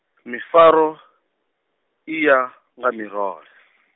mifaro,i ya, nga mirole.